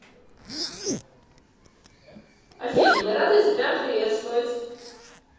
афина мы рады тебя приветствовать